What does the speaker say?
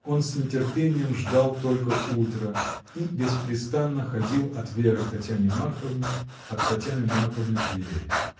Он с нетерпением ждал только утра и беспрестанно ходил от Веры к Татьяне Марковне, от Татьяны Марковны к Вере.